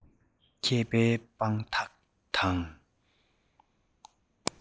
མཁས པའི དཔང རྟགས དང